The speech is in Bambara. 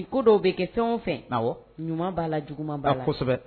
Ko dɔw bi kɛ fɛn wo fɛ ɲuman ba la juguman ba la. kosɛbɛ